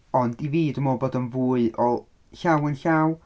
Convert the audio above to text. Ond i fi dwi'n meddwl bod o'n fwy o llaw yn llaw.